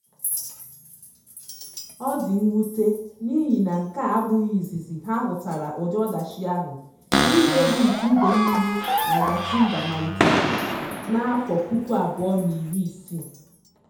Ọ dị mwute, n'ihi na nke a abụghị izizi ha hụtara ụdị ọdachi ahụ: iyi egwu nke ide mmiri na Gatumba malitere na 2016.